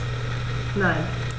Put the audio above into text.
Nein.